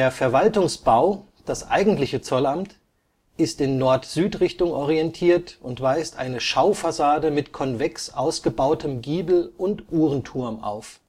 Verwaltungsbau, das eigentliche Zollamt, ist in Nord-Südrichtung orientiert und weist eine Schaufassade mit konvex ausgebautem Giebel und Uhrenturm auf